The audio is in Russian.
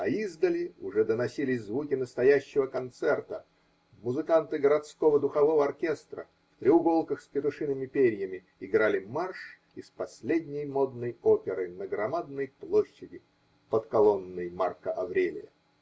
А издали уже доносились звуки настоящего концерта: музыканты городского духового оркестра, в треуголках с петушиными перьями, играли марш из последней модной оперы на громадной площади, под колонной Марка Аврелия.